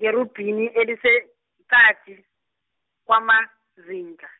ngerubhini eliseqadi, kwamazindla.